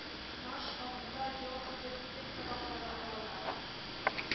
Маш агымда ял итеп, тел сабаклары алалар